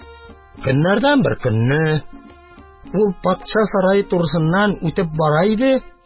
Көннәрдән бер көнне ул патша сарае турысыннан үтеп бара иде